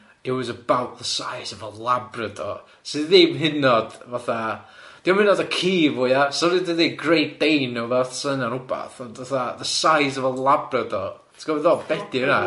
it was about the size of a labrador sydd ddim hydnod fatha, diom hynod o ci fwya, sa fo'n deud Great Dane o fath syna'n rwbath ond fatha the size of a labrador ti'n gwybod be dwi'n feddwl, be de hunna?